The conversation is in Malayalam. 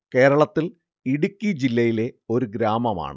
കേരളത്തിൽ ഇടുക്കി ജില്ലയിലെ ഒരു ഗ്രാമമാണ്